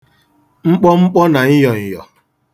mkpọmkpọ̀ na m̀yọ̀m̀yọ̀